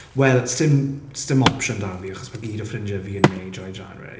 Wel sdim sdim opsiwn 'da fi achos mae gyd o ffrindiau fi yn wneud Dry January.